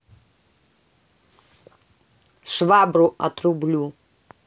швабру отрублю